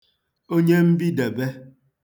onye mbidèbe